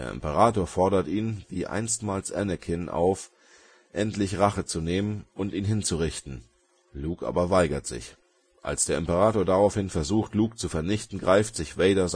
Imperator fordert ihn - wie einstmals Anakin - auf, endlich Rache zu nehmen und ihn hinzurichten; Luke aber weigert sich. Als der Imperator daraufhin versucht, Luke zu vernichten, greift sich Vader